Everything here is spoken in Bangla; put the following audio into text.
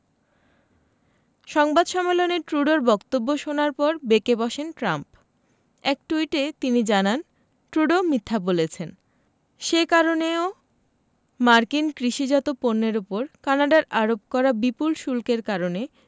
সংবাদ সম্মেলনে ট্রুডোর বক্তব্য শোনার পর বেঁকে বসেন ট্রাম্প এক টুইটে তিনি জানান ট্রুডো মিথ্যা বলেছেন সে কারণে ও মার্কিন কৃষিজাত পণ্যের ওপর কানাডার আরোপ করা বিপুল শুল্কের কারণে